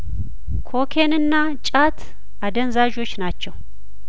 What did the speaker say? ኮኬንና ጫት አደንዛዦች ናቸው